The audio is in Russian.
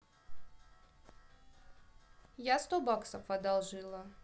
я сто баксов одолжила